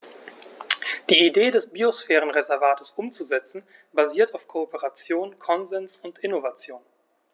Die Idee des Biosphärenreservates umzusetzen, basiert auf Kooperation, Konsens und Innovation.